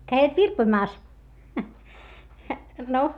kävivät virpomassa no